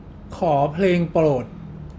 ขอเพลงโปรด